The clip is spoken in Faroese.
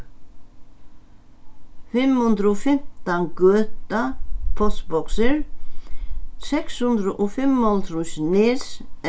fimm hundrað og fimtan gøta postboksir seks hundrað og fimmoghálvtrýss nes